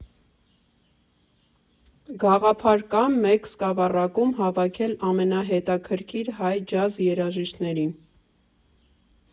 Գաղափար կա մեկ սկավառակում հավաքել ամենահետաքրքիր հայ ջազ երաժիշտներին։